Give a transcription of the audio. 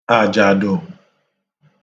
àjàdụ̀